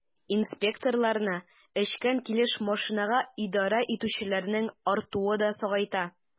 Инспекторларны эчкән килеш машинага идарә итүчеләрнең артуы да сагайта.